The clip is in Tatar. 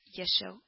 Яшәү